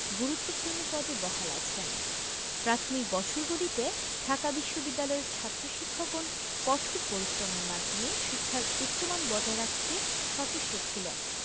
গুরুত্বপূর্ণ পদে বহাল আছেন প্রাথমিক বছরগুলিতে ঢাকা বিশ্ববিদ্যালয়ের ছাত্র শিক্ষকগণ কঠোর পরিশ্রমের মাধ্যমে শিক্ষার উচ্চমান বজায় রাখতে সচেষ্ট ছিলেন